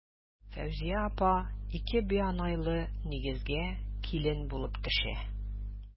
Фәүзия апа ике бианайлы нигезгә килен булып төшә.